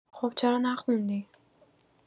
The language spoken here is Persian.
خب چرا نخوندی؟